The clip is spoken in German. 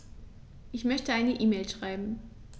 Ich möchte eine E-Mail schreiben.